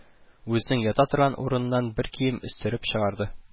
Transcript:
Үзенең ята торган урыныннан бер кием өстерәп чыгарды